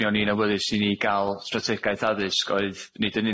mi o'n i'n awyddus i ni ga'l strategaeth addysg oedd nid yn